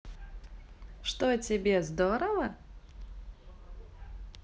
что тебе здорово